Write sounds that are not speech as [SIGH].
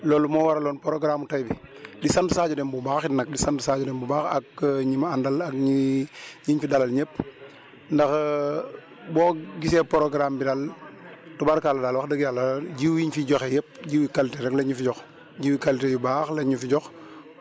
loolu moo waraloon programme mu tey bi di sant Sadio Deme bu baaxit nag di sant Sadio Deme bu baax ak ñi ma àndal ak ñi [HESITATION] ñiñ fi dalal ñëpp ndax [HESITATION] boo gisee programme bi daal tubar kàlla wax dëgg yàlla jiw yiñ fiy joxe yëpp jiwu qualité rek lañ ñu fi jox jiwu qualité yu baax lañ ñu fi jox